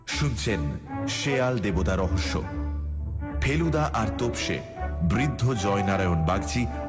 শুনছেন শেয়াল দেবতা রহস্য ফেলুদা আর তোপসে বৃদ্ধ জয় নারায়ণ বাগচি